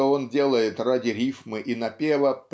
что он делает ради рифмы и напева